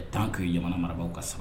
Tan' yamana marabagaww ka